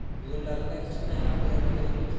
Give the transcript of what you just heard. yo'llarida kichkina ariq yoki do'nglik